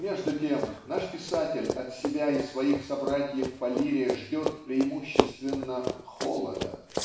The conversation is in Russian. Между тем наш писатель от себя и своих собратьев по лире ждет преимущественно -- холода